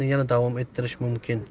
yana davom ettirish mumkin